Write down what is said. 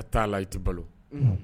A t' la i tɛ balo